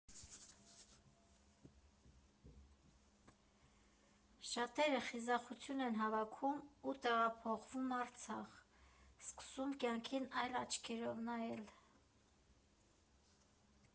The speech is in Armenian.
Շատերը խիզախություն են հավաքում ու տեղափոխվում Արցախ, սկսում կյանքին այլ աչքերով նայել։